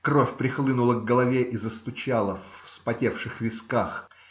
кровь прихлынула к голове и застучала в вспотевших висках.